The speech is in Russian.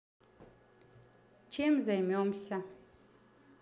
чем займемся